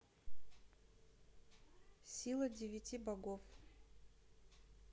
сила девяти богов